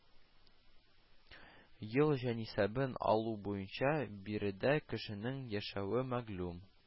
Ел җанисәбен алу буенча биредә кешенең яшәү мәгълүм